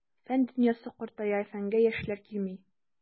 Фән дөньясы картая, фәнгә яшьләр килми.